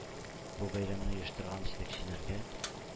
Бу бәйрәмне оештырган җитәкчеләргә,